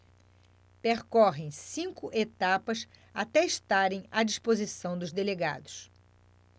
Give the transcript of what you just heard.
percorrem cinco etapas até estarem à disposição dos delegados